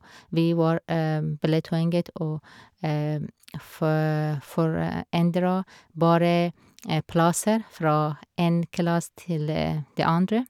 Vi var ble tvunget å fo forandre bare plasser fra én klasse til det andre.